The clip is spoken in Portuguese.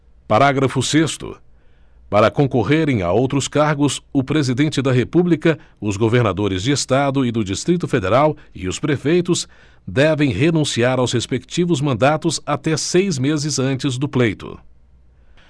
parágrafo sexto para concorrerem a outros cargos o presidente da república os governadores de estado e do distrito federal e os prefeitos devem renunciar aos respectivos mandatos até seis meses antes do pleito